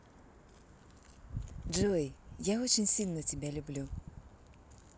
джой я очень сильно тебя люблю